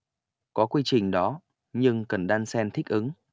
có quy trình đó nhưng cần đan xen thích ứng